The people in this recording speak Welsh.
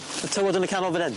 Y tywod yn y canol fan 'yn?